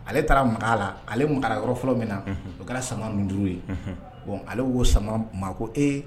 Ale taara ma la ale ma yɔrɔ fɔlɔ min na o kɛra sama ninnu duuru ye ale' sama maa ko e